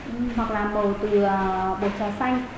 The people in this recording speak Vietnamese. hoặc là màu từ bột trà xanh